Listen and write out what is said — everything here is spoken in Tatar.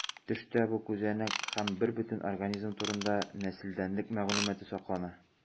Төштә бу күзәнәк һәм бербөтен организм турында нәселдәнлек мәгълүматы саклана.